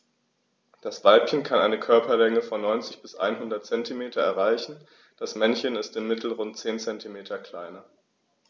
Das Weibchen kann eine Körperlänge von 90-100 cm erreichen; das Männchen ist im Mittel rund 10 cm kleiner.